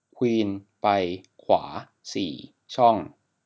ควีนไปขวาสี่ช่อง